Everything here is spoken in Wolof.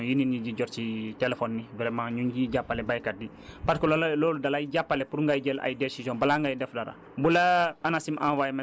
donc en plus information yi nit ñi di jot si téléphone yi vraiment ñu ngi ciy jàppale baykat bi parce que :fa loolu la loolu dalay jàppale pour ngay jël ay décisions balaa ngay def dara